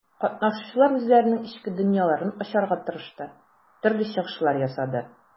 Катнашучылар үзләренең эчке дөньяларын ачарга тырышты, төрле чыгышлар ясады.